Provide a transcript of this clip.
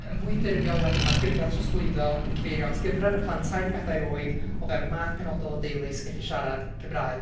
Yn fwy ffurfiol wedyn, ma'r gyfradd trosglwyddo yn cyfeirio at gyfran y plant tair i bedair oed o fewn math penodol o deulu sy'n gallu siarad Cymraeg.